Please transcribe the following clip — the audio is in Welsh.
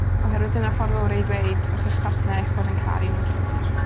oherwydd dyna'r ffordd ore i ddweud wrth eich partner eich bod yn caru nw'n llwyr.